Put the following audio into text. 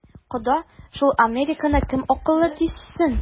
Кода, шул американканы кем акыллы дисен?